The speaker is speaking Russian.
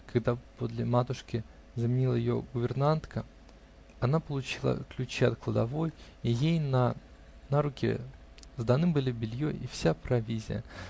Когда подле матушки заменила ее гувернантка, она получила ключи от кладовой, и ей на руки сданы были белье и вся провизия.